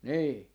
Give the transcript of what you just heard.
niin